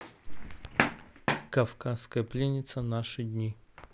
кавказская пленница наши дни